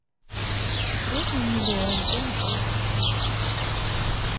секрет на миллион тнт